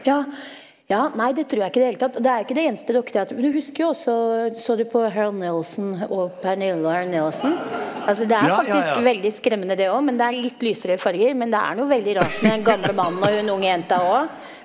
ja ja nei det trur jeg ikke det hele tatt, og det er ikke det eneste dokketeateret, for du husker jo også så du på Harold Nelson og Pernille Nelson altså det er faktisk veldig skremmende det óg, men det er litt lysere farger, men det er noe veldig rart med den gamle mannen og hun unge jenta óg.